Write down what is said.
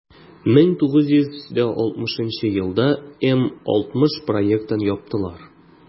1960 елда м-60 проектын яптылар.